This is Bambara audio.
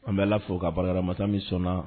An bɛ la fo ka barika da masa min sɔnna